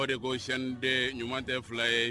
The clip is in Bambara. O de ko sden ɲuman tɛ fila ye